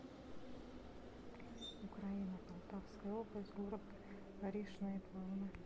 украина полтавская область город горишние плавны